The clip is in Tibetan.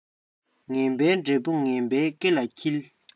ངན པའི འབྲས བུ ངན པའི སྐེ ལ འཁྲིལ